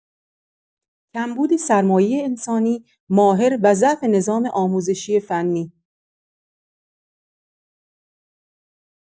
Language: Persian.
کمبود سرمایه انسانی ماهر و ضعف نظام آموزش فنی